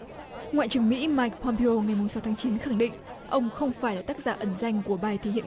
ngoại trưởng mỹ mai pôm peo ngày mùng sáu tháng chín khẳng định ông không phải là tác giả ẩn danh của bài thể hiện